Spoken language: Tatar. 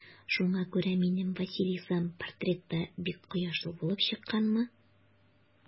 Шуңа күрә минем Василисам портретта бик кояшлы булып чыкканмы?